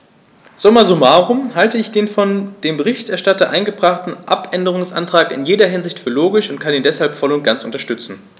Summa summarum halte ich den von dem Berichterstatter eingebrachten Abänderungsantrag in jeder Hinsicht für logisch und kann ihn deshalb voll und ganz unterstützen.